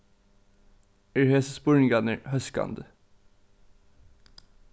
eru hesir spurningarnir hóskandi